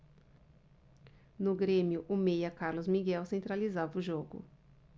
no grêmio o meia carlos miguel centralizava o jogo